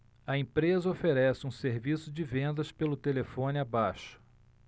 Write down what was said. a empresa oferece um serviço de vendas pelo telefone abaixo